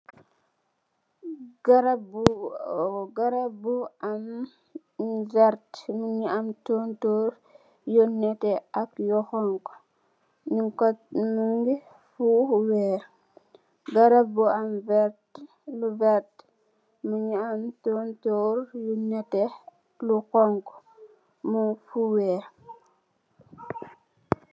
Garap bu am lu vert, mungi am tontoor yu neteh, ak yu xonxu, mungi fu weeh.